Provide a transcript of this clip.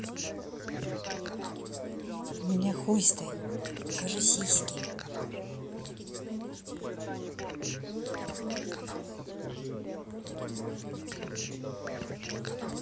у меня хуй стоит покажи сиськи